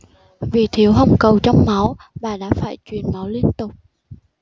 vì thiếu hồng cầu trong máu bà đã phải truyền máu liên tục